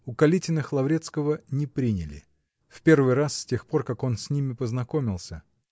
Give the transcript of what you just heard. У Калитиных Лаврецкого не приняли -- в первый раз с тех пор, как он с ними познакомился.